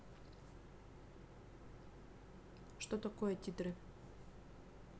что такое титры